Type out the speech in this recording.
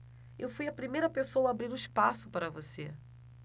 eu fui a primeira pessoa a abrir espaço para você